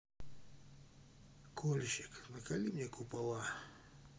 кольщик наколи мне купола михаил круг